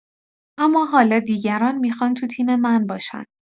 اما حالا دیگران می‌خوان تو تیم من باشن.